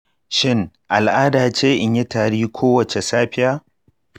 shin al’ada ce in yi tari kowace safiya?